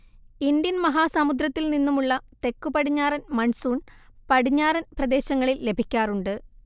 Indian മഹാസമുദ്രത്തിൽനിന്നുമുള്ള തെക്കുപടിഞ്ഞാറൻ monsoon പടിഞ്ഞാറൻ പ്രദേശങ്ങളിൽ ലഭിക്കാറുണ്ട്